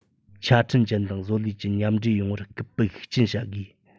ཆ འཕྲིན ཅན དང བཟོ ལས ཅན མཉམ འདྲེས ཡོང བར སྐུལ སྤེལ ཤུགས ཆེན བྱ དགོས